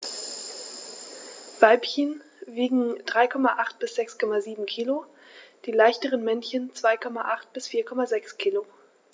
Weibchen wiegen 3,8 bis 6,7 kg, die leichteren Männchen 2,8 bis 4,6 kg.